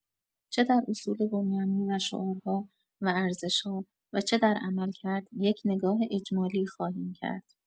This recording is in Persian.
چه در اصول بنیانی و شعارها و ارزش‌ها و چه در عملکرد، یک نگاه اجمالی خواهیم کرد.